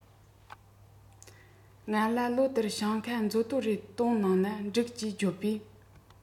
ང ལ ལོ ལྟར ཞིང ཁ མཛོ དོར རེ གཏོང གནང ན འགྲིག ཅེས བརྗོད པས